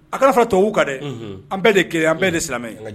A' kana fara tuwawuu kan dɛ unhun an bɛɛ de ye kelen ye an bɛɛ de ye silamɛ ye